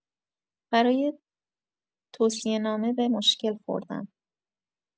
برای توصیه‌نامه به مشکل خوردم.